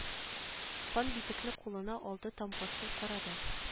Хан битекне кулына алды тамгасын карады